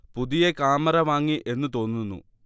പുതിയ കാമറ വാങ്ങി എന്ന് തോന്നുന്നു